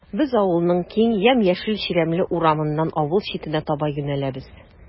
Без авылның киң, ямь-яшел чирәмле урамыннан авыл читенә таба юнәләбез.